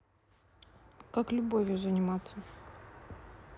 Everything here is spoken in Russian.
как любовью заниматься